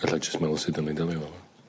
Ella jyst meddwl sy 'di efo fo...